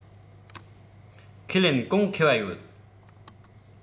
ཁས ལེན གོང ཁེ བ ཡོད